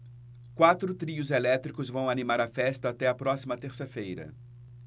quatro trios elétricos vão animar a festa até a próxima terça-feira